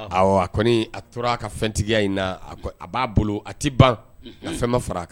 A ko a tora ka fɛntigiya in na a b'a bolo a tɛ ban nka fɛn ma fara kan